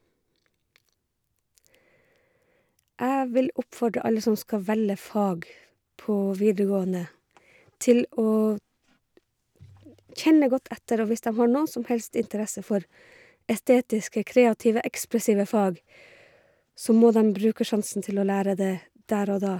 Jeg vil oppfordre alle som skal velge fag på videregående til å kjenne godt etter, og hvis dem har noen som helst interesse for estetiske, kreative, ekspressive fag, så må dem bruke sjansen til å lære det der og da.